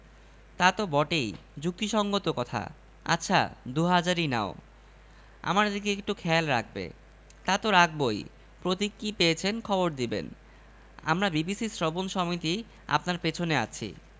পেছনের প্রতিটি রিকশায় দু জন করে কর্মী বসা তাঁরা চেঁচিয়ে বলছে আছে কি খবর কুমীর কার কুমীর সিদ্দিক সাহেবের কুমীর